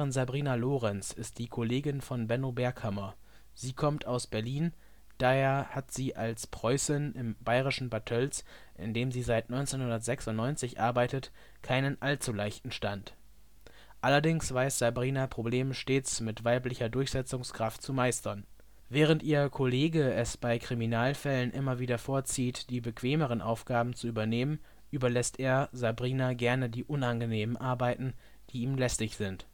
Sabrina Lorenz ist die Kollegin von Benno Berghammer. Sie kommt aus Berlin, daher hat sie als „ Preußin “im bayerischen Bad Tölz, in dem sie seit 1996 arbeitet, keinen allzu leichten Stand. Allerdings weiß Sabrina Probleme stets mit „ weiblicher Durchsetzungskraft “zu meistern. Während ihr Kollege es bei Kriminalfällen immer wieder vorzieht, die bequemeren Aufgaben zu übernehmen, überlässt er Sabrina gerne die unangenehmen Arbeiten, die ihm lästig sind